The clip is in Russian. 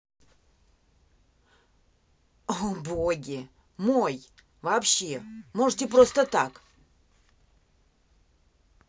о боги мой вообще можете просто так